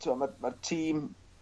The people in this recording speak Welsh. t'mo' ma'r ma'r tîm